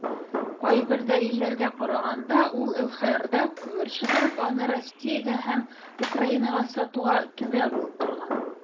Кайбер дәлилләргә караганда, ул ЛХРда күмер чыгарып, аны Россиягә һәм Украинага сатуга "түбә" булып торган.